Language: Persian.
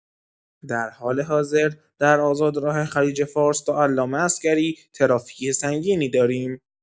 در حال حاضر در آزادراه خلیج‌فارس تا علامه عسگری ترافیک سنگینی داریم.